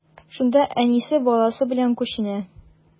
Шунда әнисе, баласы белән күченә.